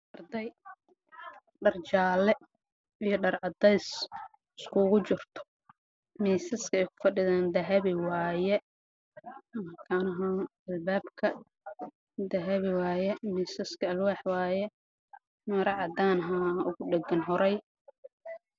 Waa school waxaa jooga gabdho iyo wiilal wataan shaatiyo jaalle